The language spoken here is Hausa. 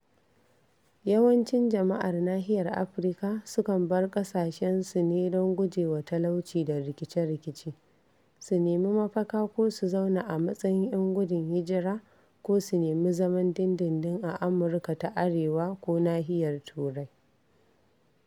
Yawancin jama'ar nahiyar Afirka su kan bar ƙasashensu ne don gujewa talauci da rikice-rikice, su nemi mafaka ko su zauna a matsayin 'yan gudun hijira ko su nemi zaman dindindin a Amurka ta Arewa ko nahiyar Turai.